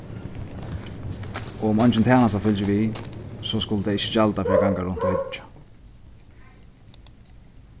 og um eingin tænasta fylgir við so skulu tey ikki gjalda fyri at ganga runt og hyggja